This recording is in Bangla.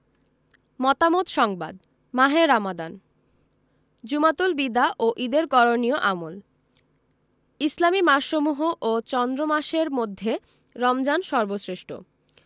মতামত সংবাদ মাহে রমাদান জুমাতুল বিদা ও ঈদের করণীয় আমল ইসলামি মাসসমূহ ও চন্দ্রমাসের মধ্যে রমজান সর্বশ্রেষ্ঠ